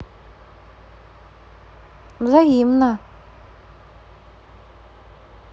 взаимно